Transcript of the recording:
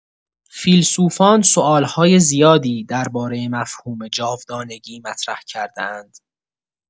فیلسوفان سوال‌های زیادی درباره مفهوم جاودانگی مطرح کرده‌اند.